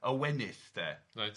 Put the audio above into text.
Y wenydd de... Reit.